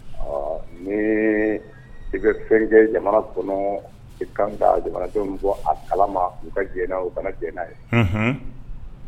Ni i bɛ fɛnkɛ jamana kɔnɔ i kan ka jamanacɛ muso fɔ a kala ma u ka jɛna u kana jɛna ye